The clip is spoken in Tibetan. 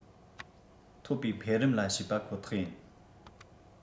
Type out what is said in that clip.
ཐོབ པའི འཕེལ རིམ ལ བྱས པ ཁོ ཐག ཡིན